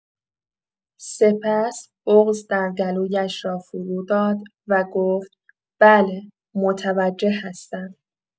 سپس بغض در گلویش را فروداد و گفت: «بله، متوجه هستم.»